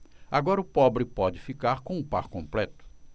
agora o pobre pode ficar com o par completo